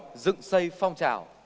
dựng xây phong trào